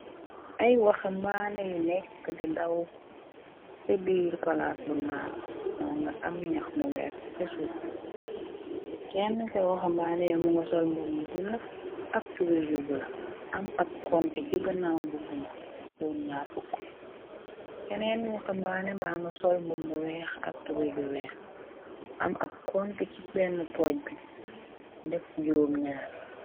Ay waxa mbaane yu nekk di daw ca biir palaas bu naat moo nga am ñax mu werte ca suuf kenn ka waxa mbaane yamu nga sol mbum bu la ak tuber yu bu la am ab konte ci gannaaw bubbuma don ñar fuk keneen waxa mbaane ba nga sol mbumu weex ak tuber yu weex am ab kontu ci benn poj bi di def juróom ñaar.